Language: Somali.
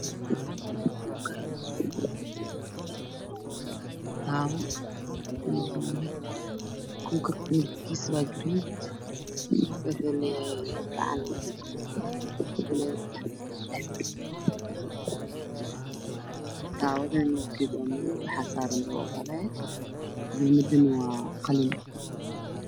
Waa Ku kar ka midabkiisu waa madow waxaana saaran jigjiga cunta ku jirto